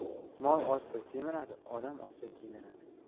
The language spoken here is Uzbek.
mol ozsa semiradi odam ozsa kemiradi